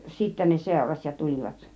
sitten ne seurasi ja ja tulivat